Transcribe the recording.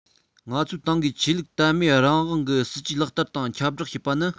ང ཚོའི ཏང གིས ཆོས ལུགས དད མོས རང དབང གི སྲིད ཇུས ལག བསྟར དང ཁྱབ བསྒྲགས བྱས པ ནི